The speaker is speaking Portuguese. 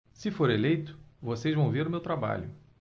se for eleito vocês vão ver o meu trabalho